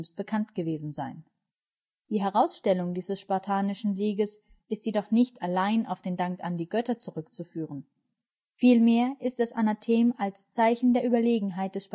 Die Herausstellung dieses spartanischen Sieges ist jedoch nicht allein auf den Dank an die Götter zurückzuführen. Vielmehr ist das Anathem als Zeichen der Überlegenheit des spartanischen Staates gegenüber den